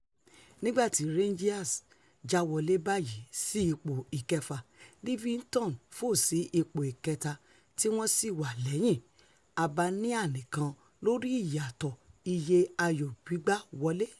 nígbà tí Rangers jáwálẹ̀ báyìí sí ipò ìkẹfà, Livinston fò sí ipò ìkẹta tí wọn sìwà lẹ́yìn Hibernia nìkan lórí ìyàtọ̀ iye ayò gbígbá wọlé.